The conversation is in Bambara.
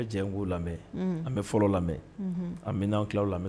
An an bɛ lamɛn an bɛan kulaw labɛn